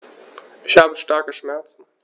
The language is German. Ich habe starke Schmerzen.